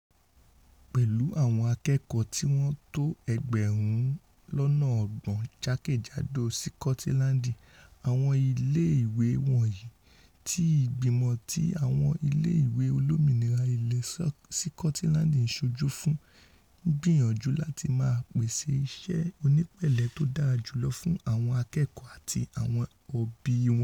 Pẹ̀lu àwọn akẹ́kọ̀ọ́ tíwọ́n tó ẹgbẹ̀rún lọ́nà ọgbọ̀n jákè-jádò Sikọtiland, àwọn ilé ìwé wọ̀nyí, ti igbìmọ̀ ti àwọn Ilé ìwé olómìnira Ilẹ Sikotiland ńṣojú fún. ńgbìyaǹjú láti máa pèsè iṣẹ́ onípele tódára jùlọ fún àwọn akẹ́kọ̀ọ́ àti àwọn òbí wọn.